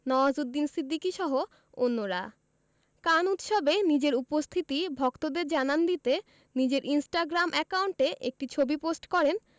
নওয়াজুদ্দিন সিদ্দিকীসহ অন্যরা কান উৎসবে নিজের উপস্থিতি ভক্তদের জানান দিতে নিজের ইনস্টাগ্রাম অ্যাকাউন্টে একটি ছবি পোস্ট করেন